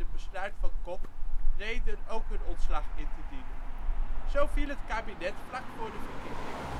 besluit van Kok reden ook hun ontslag in te dienen. Zo viel het kabinet vlak voor de verkiezingen